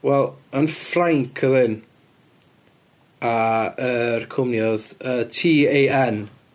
Wel, yn Ffrainc oedd hyn... a yr cwmni oedd TAN.